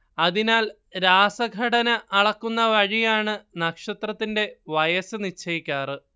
അതിനാൽ രാസഘടന അളക്കുന്നവഴിയാണ് നക്ഷത്രത്തിന്റെ വയസ്സ് നിശ്ചയിക്കാറ്